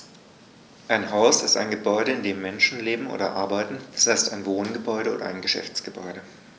Ein Haus ist ein Gebäude, in dem Menschen leben oder arbeiten, d. h. ein Wohngebäude oder Geschäftsgebäude.